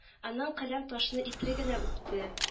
Аннан келәм-ташны ипле генә үпте